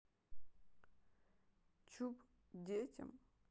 чуб детям